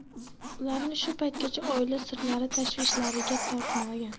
ularni shu paytgacha oila sirlari tashvishlariga tortmagan